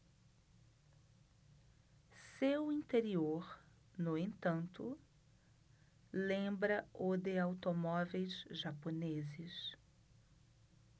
seu interior no entanto lembra o de automóveis japoneses